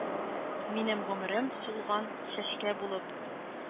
Минем гомерем сулган чәчкә булып